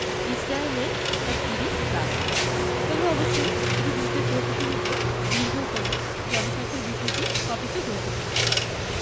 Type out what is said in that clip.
ইসরায়েলের তা ৩০ লাখ তবে অবশ্যই এটি যুদ্ধের প্রকৃতির ওপর নির্ভর করবে জনসংখ্যার বিষয়টি কতটা গুরুত্বপূর্ণ